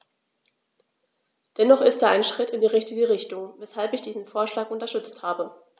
Dennoch ist er ein Schritt in die richtige Richtung, weshalb ich diesen Vorschlag unterstützt habe.